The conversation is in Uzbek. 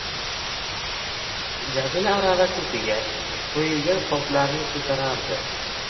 jamila arava chetiga qo'yilgan qoplarni ko'tarardi